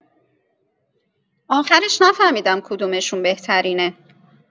آخرش نفهمیدم کدومشون بهترینه!